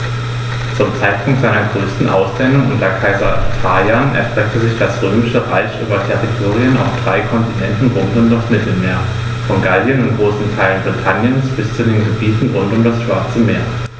Zum Zeitpunkt seiner größten Ausdehnung unter Kaiser Trajan erstreckte sich das Römische Reich über Territorien auf drei Kontinenten rund um das Mittelmeer: Von Gallien und großen Teilen Britanniens bis zu den Gebieten rund um das Schwarze Meer.